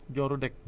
jooru deg